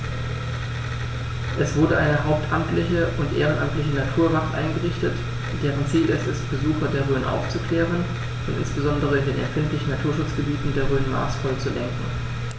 Es wurde eine hauptamtliche und ehrenamtliche Naturwacht eingerichtet, deren Ziel es ist, Besucher der Rhön aufzuklären und insbesondere in den empfindlichen Naturschutzgebieten der Rhön maßvoll zu lenken.